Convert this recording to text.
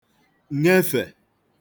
ṅefè